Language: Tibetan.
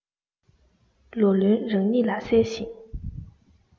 ལོ ལོན རང ཉིད ལ གསལ ཞིང